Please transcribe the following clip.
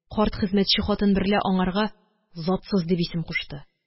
Карт хезмәтче хатын берлә аңарга «затсыз» дип исем кушты